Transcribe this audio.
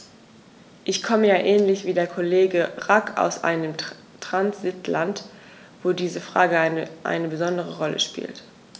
Ich komme ja ähnlich wie der Kollege Rack aus einem Transitland, wo diese Frage eine besondere Rolle spielt.